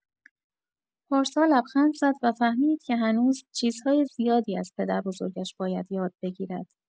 پارسا لبخند زد و فهمید که هنوز چیزهای زیادی از پدربزرگش باید یاد بگیرد.